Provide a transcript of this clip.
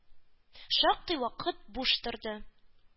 Шактый вакыт буш торды.